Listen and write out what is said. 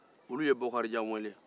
oluw ye bokarijan weele